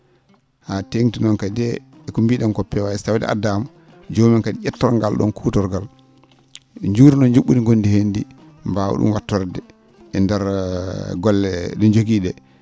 haa tee?ti noon kadi e e ko mbi?en ko POAS tawde addaama jooni noon kadi ?etton ngal ?oon kuutorgal njuurnoo nju??udi ngonndi heen ndii mbaawa ?um wattorde e ndeer golle ?e jogii ?ee